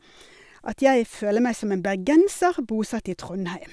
At jeg føler meg som en bergenser bosatt i Trondheim.